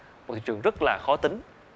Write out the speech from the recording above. một thị trường rất là khó tính